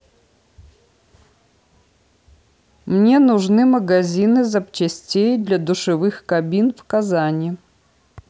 мне нужны магазины запчастей для душевых кабин в казани